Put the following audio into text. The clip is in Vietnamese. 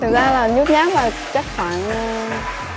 thực ra là nhút nhát à chắc khoảng a